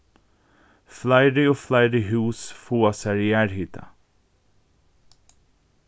fleiri og fleiri hús fáa sær jarðhita